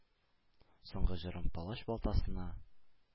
Соңгы җырым палач балтасына